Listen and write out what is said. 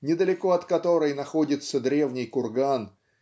недалеко от которой находится древний курган